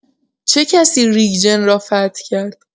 چه کسی ریگ‌جن را فتح کرد؟